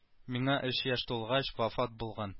Миңа өч яшь тулгач вафат булган